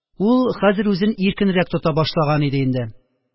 Ул хәзер үзен иркенрәк тота башлаган иде инде.